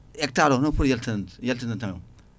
hectare hono foti haltinanta haltinanta kam